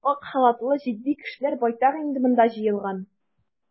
Ак халатлы җитди кешеләр байтак инде монда җыелган.